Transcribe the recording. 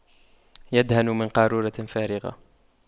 يدهن من قارورة فارغة